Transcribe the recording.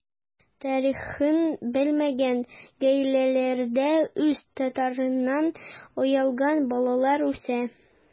Тарихын белмәгән гаиләләрдә үз татарыннан оялган балалар үсә.